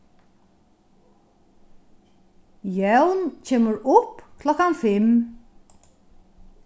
jón kemur upp klokkan fimm